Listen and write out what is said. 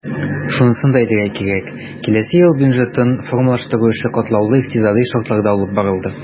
Шунысын да әйтергә кирәк, киләсе ел бюджетын формалаштыру эше катлаулы икътисадый шартларда алып барылды.